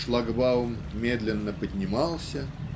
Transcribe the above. Шлагбаум медленно поднимался.